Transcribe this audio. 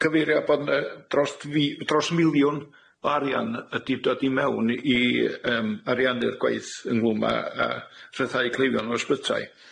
cyfeirio bod 'ne drost fi- dros miliwn o arian y- ydi dod i mewn i- i yym ariannu'r gwaith ynghlwm â â rhyddhau cleifion o'r ysbytai